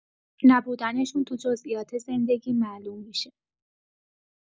نبودنشون تو جزئیات زندگی معلوم می‌شه.